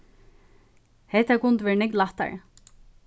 hetta kundi verið nógv lættari